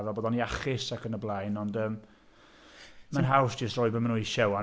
Fatha bod o'n iachus ac yn y blaen, ond yym mae'n haws jyst rhoi beth maen nhw eisiau 'wan.